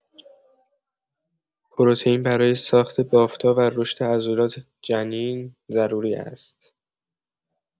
پروتئین برای ساخت بافت‌ها و رشد عضلات جنین ضروری است.